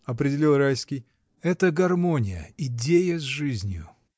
— определил Райский, — это гармония идей с жизнью!